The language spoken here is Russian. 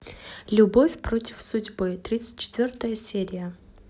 любовь против судьбы тридцать четвертая серия